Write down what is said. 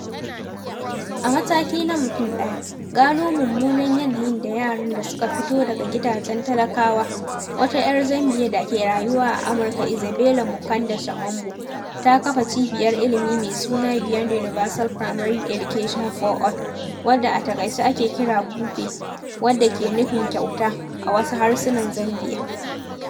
A mataki na mutum daya, gano mummunan yanayin da yaran da suka fito daga gidajen talakawa, wata 'yar Zambiya da ke rayuwa a Amurka, Isabella Mukanda Shamambo, ta kafa cibiyar ilimi mai suna Beyond Universal Primary Education for All, wadda a taƙaice ake kira, BUPE (wanda ke nufin “kyauta” a wasu harsunan Zambiya).